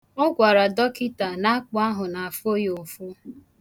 Ọ gwara dọkịta na akpụ ahụ na-afụ ya ụfụ.